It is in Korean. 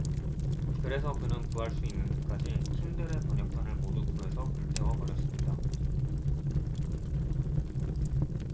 그래서 그는 구할 수 있는 데까지 틴들의 번역판을 모두 구해서 불태워 버렸습니다